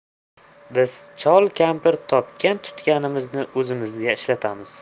biz chol kampir topgan tutganimizni o'zimizga ishlatamiz